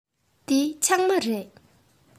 འདི ཕྱགས མ རེད